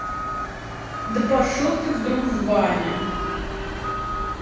да пошел ты вдруг в бане